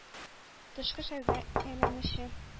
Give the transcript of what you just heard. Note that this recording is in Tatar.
Тышкы сәүдә әйләнеше